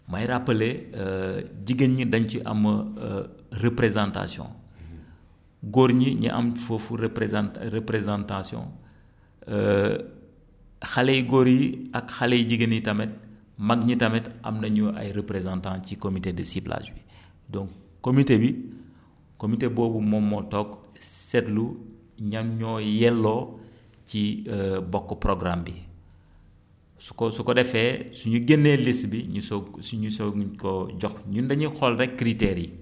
may rappelé jigéen ñi dañ ci am représentation góor ñi ñi am foofu représent représentation xale yu góor yi ak xale yu jigéen yi tamit mag ñi tamit am nañu ay représentant ci comité de cyblage bi donc comité bi comité boobu moom moo toog seetlu ñan ñooy yelloo ci bokk programme bi su ko su ko defee su ñu génnee liste bi ñu soog ko su ñu soog ñu koo jox ñun dañuy xool rekk critères yi